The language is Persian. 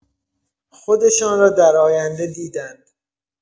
خودشان را در آینده دیدند؛